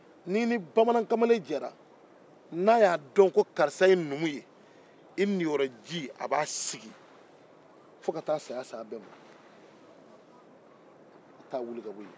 ni i ni bamanankamalen jɛna n'a y'a dɔn ko karisa ye numu ye i n'i yɔrɔ diya a b'a sigi fo ka taa saya se aw bɛɛ ma a t'a wuli ka bɔ yen